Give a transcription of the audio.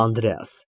ԱՆԴՐԵԱՍ ֊